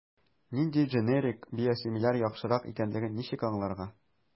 Нинди дженерик/биосимиляр яхшырак икәнлеген ничек аңларга?